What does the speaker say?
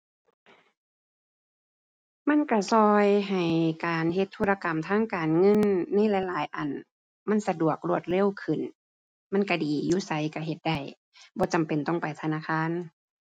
มันก็ก็ให้การเฮ็ดธุรกรรมทางการเงินในหลายหลายอันมันสะดวกรวดเร็วขึ้น มันก็ดี อยู่ไสก็เฮ็ดได้ บ่จำเป็นต้องไปธนาคาร